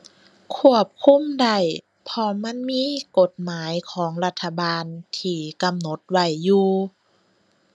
ควบคุมได้เพราะมันมีกฎหมายของรัฐบาลที่กำหนดไว้อยู่